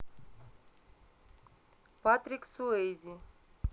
патрик суэйзи